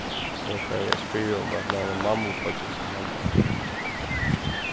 eg fari at spyrja um at læna mammubeiggjasa hamara